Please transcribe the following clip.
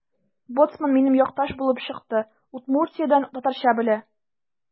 Боцман минем якташ булып чыкты: Удмуртиядән – татарча белә.